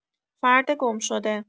فرد گم‌شده